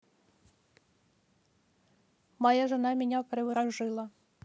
моя жена меня приворожила